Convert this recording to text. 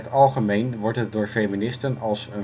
algemeen wordt het door feministen als